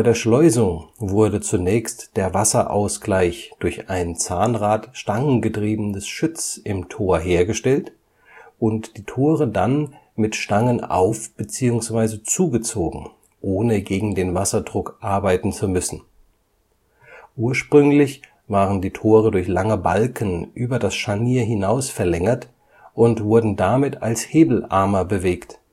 Schleusung wurde zunächst der Wasserausgleich durch ein zahnrad-stangengetriebenes Schütz (Schiebeverschluss) im Tor hergestellt und die Tore dann mit Stangen auf - bzw. zugezogen, ohne gegen den Wasserdruck arbeiten zu müssen. Ursprünglich waren die Tore durch lange Balken über das Scharnier hinaus verlängert und wurden damit als Hebelarme bewegt